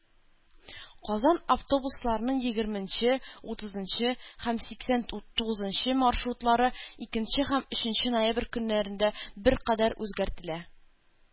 Казан автобусларының егерменче, утызынчы һәм сиксән тугызынчы маршрутлары икенче һәм өченче ноябрь көннәрендә беркадәр үзгәртелә.